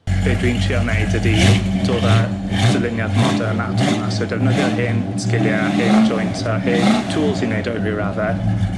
Be' dwi'n trio neud ydi dod â dyluniad modern at hwnna so defnyddio'r hen sgilie a hen joints a hen twls i neud o i ryw radde